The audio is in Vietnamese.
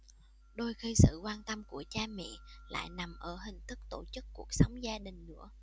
đôi khi sự quan tâm của cha mẹ lại nằm ở hình thức tổ chức cuộc sống gia đình nữa